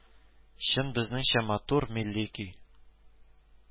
Чын безнеңчә матур, милли көй